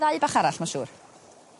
ddau bach arall ma' siŵr.